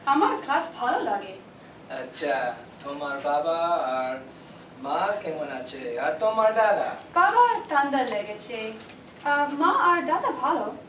আমার কাজ ভালো লাগে আচ্ছা তোমার বাবা আর মা কেমন আছে আর তোমার দাদা বাবার ঠান্ডা লেগেছে মা আর দাদা ভালো